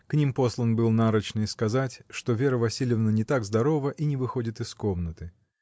К ним послан был нарочный сказать, что Вера Васильевна не так здорова и не выходит из комнаты.